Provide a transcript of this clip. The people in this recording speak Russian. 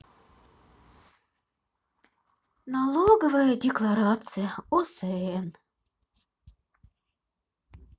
налоговая декларация осн